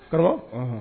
Karamɔgɔ